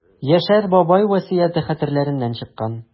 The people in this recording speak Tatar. Яшәр бабай васыяте хәтерләреннән чыккан.